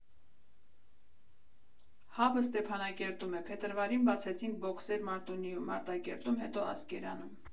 Հաբը Ստեփանակերտում է, փետրվարին բացեցինք բոքսեր Մարտունիում, Մարտակերտում, հետո Ասկերանում։